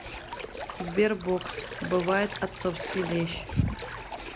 sberbox бывает отцовский лещ